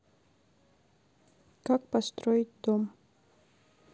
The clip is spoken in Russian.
как построить дом